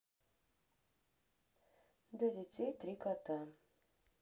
для детей три кота